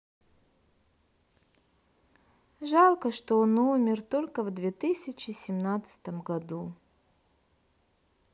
жалко что он умер только в две тысячи семнадцатом году